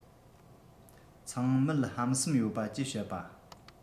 ཚང མལ ཧམ སེམས ཡོད པ ཅེས བཤད པ